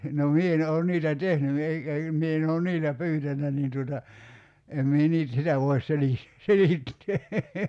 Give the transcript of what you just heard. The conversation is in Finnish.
no minä en olen niitä tehnyt ei eikä minä en ole niillä pyytänyt niin tuota en minä - sitä voi - selittää